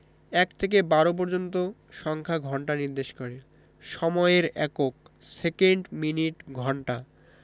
১ থেকে ১২ পর্যন্ত সংখ্যা ঘন্টা নির্দেশ করে সময়ের এককঃ সেকেন্ড মিনিট ঘন্টা